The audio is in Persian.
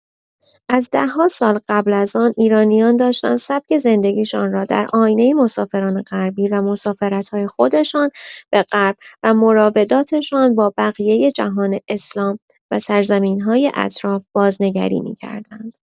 از ده‌ها سال قبل از آن، ایرانیان داشتند سبک زندگیشان را در آینه مسافران غربی و مسافرت‌های خودشان به غرب و مراوداتشان با بقیه جهان اسلام و سرزمین‌های اطراف، بازنگری می‌کردند.